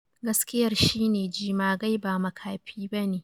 Gaskiyar shi ne jemagai ba makafi bane.